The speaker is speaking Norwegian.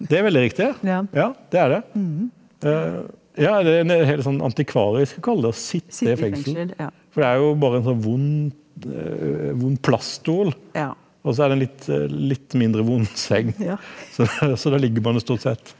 det er veldig riktig ja det er det ja er helt sånn antikvarisk å kalle det å sitte i fengsel, for det er jo bare en sånn vond vond plaststol også er det en litt litt mindre vond seng, så så da ligger man jo stort sett ja.